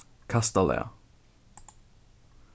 kastalag